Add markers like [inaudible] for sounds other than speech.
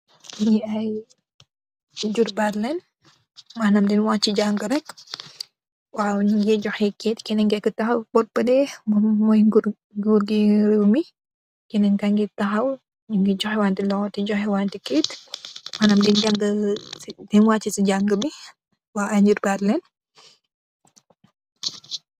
Ñii ay, [unintelligible] maanam dañg waaci jaangë rek. Waaw, ñungee joxe kayit, mooy ngur gi. Kenen kaa ngi taxaw ,ñu ngi joxeewante loxo, ñu ngi joxante kayit